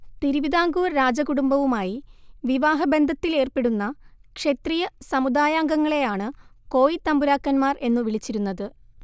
തിരുവിതാംകൂർ രാജകുടുംബവുമായി വിവാഹബന്ധത്തിലേർപ്പെടുന്ന ക്ഷത്രിയ സമുദായാംഗങ്ങളെയാണ് കോയിത്തമ്പുരാക്കന്മാർ എന്നു വിളിച്ചിരുന്നത്